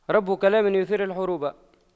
رب كلام يثير الحروب